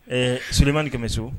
Ɛɛ soliman ni kɛmɛ bɛ so